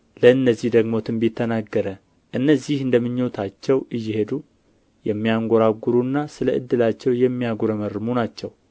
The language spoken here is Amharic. ለእነዚህ ደግሞ ትንቢት ተናገረ እነዚህ እንደ ምኞታቸው እየሄዱ የሚያንጎራጉሩና ስለ ዕድላቸው የሚያጕረመርሙ ናቸው